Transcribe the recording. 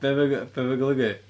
Be ma'n g... be ma'n golygu?